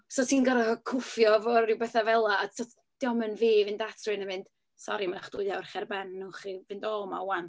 So ti'n gorfod cwffio efo ryw bethau fela. A tibod dio'm yn fi i fynd at rywun a mynd, "Sori mae eich dwy awr chi ar ben. Wnewch chi fynd o 'ma 'wan?"